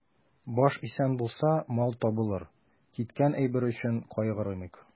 Баш исән булса, мал табылыр, киткән әйбер өчен кайгырмыйк.